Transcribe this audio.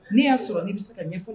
Ne y'a sɔrɔ i bɛ se ka ɲɛfɔ